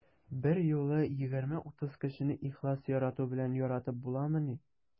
Берьюлы 20-30 кешене ихлас ярату белән яратып буламыни?